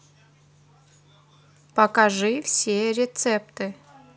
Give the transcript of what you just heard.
покажи все рецепты